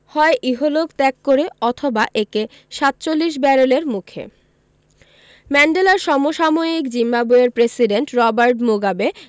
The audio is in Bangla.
হয় ইহলোক ত্যাগ করে অথবা একে ৪৭ ব্যারেলের মুখে ম্যান্ডেলার সমসাময়িক জিম্বাবুয়ের প্রেসিডেন্ট রবার্ট মুগাবে